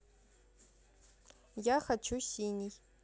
я хочу синий